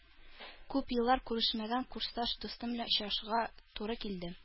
Күп еллар күрешмәгән курсташ дустым белән очрашырга туры килде